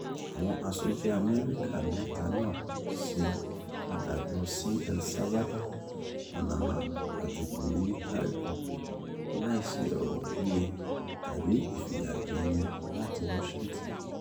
Àwọn aṣojú Amẹ́ríkà mẹ́ta náà sì padà lọ sí El Salvador, Panama àti Dominican Republic láìsí ọ̀rọ̀ líle tàbí ìfìyàjẹni láti Washington.